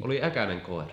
oli äkäinen koira